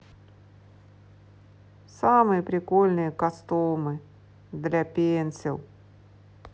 самые прикольные кастомы для пенсил